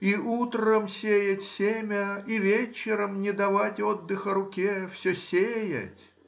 и утром сеять семя, и вечером не давать отдыха руке,— все сеять.